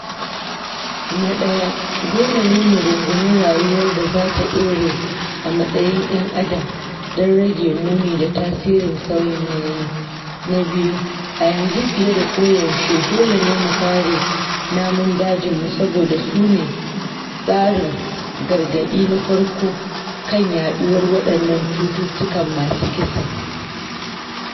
“Na ɗaya, dole ne mu rungumi rayuwar da za ta ɗore a matsayin 'yan adam don rage muni da tasirin sauyin yanayi; na biyu, a yanzu, fiye da koyaushe, dole ne mu kare namun dajinmu saboda su ne tsarin gargaɗi na farko kan yaɗuwar waɗannan cututtukan masu kisa.”